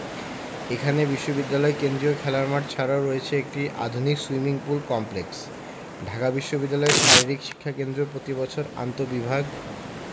এখানে বিশ্ববিদ্যালয় কেন্দ্রীয় খেলার মাঠ ছাড়াও রয়েছে একটি আধুনিক সুইমিং পুল কমপ্লেক্স ঢাকা বিশ্ববিদ্যালয় শারীরিক শিক্ষা কেন্দ্র প্রতিবছর আন্তঃবিভাগ